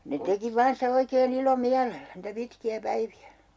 ne teki vain sitä oikein ilomielellä niitä pitkiä päiviä